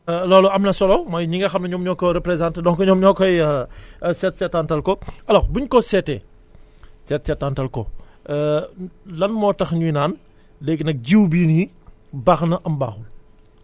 loolu am na solo mooy ñi nga xam ne ñoom ñoo ko représenté donc ñoom ñoo koy seet seetaatal ko alors bu ñu ko seetee seet seetaatal ko lan moo tax ñuy naan léegi nag jiw bii nii baax na am baaxul